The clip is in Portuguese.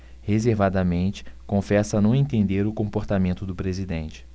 reservadamente confessa não entender o comportamento do presidente